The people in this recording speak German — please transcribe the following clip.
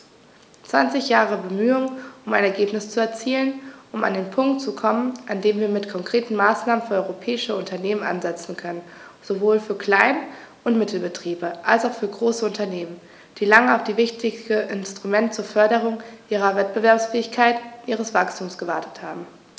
Zwanzig Jahre Bemühungen, um ein Ergebnis zu erzielen, um an den Punkt zu kommen, an dem wir mit konkreten Maßnahmen für europäische Unternehmen ansetzen können, sowohl für Klein- und Mittelbetriebe als auch für große Unternehmen, die lange auf dieses wichtige Instrument zur Förderung ihrer Wettbewerbsfähigkeit und ihres Wachstums gewartet haben.